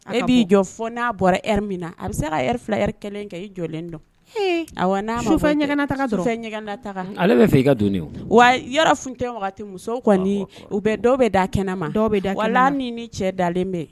E b'i jɔ fo n'a bɔra min na a bɛ se ka fila kɛlen jɔlen dɔn a ale i ka don wa yɔrɔ tɛ musow kɔni u bɛ dɔ bɛ da kɛnɛ ma dɔw bɛ da wala min ni cɛ dalen bɛ